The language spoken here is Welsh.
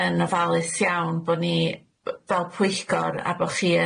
yy yy yn ofalus iawn bo' ni b- fel pwyllgor a bo' chi